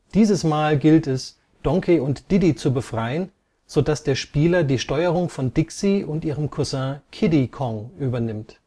Dieses Mal gilt es, Donkey und Diddy zu befreien, sodass der Spieler die Steuerung von Dixie und ihrem Cousin Kiddy Kong übernimmt